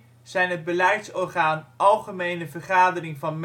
zijn het beleidsorgaan Algemene Vergadering van